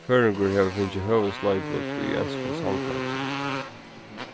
føroyingur hevur fingið høvuðsleiklut í enskum sangleiki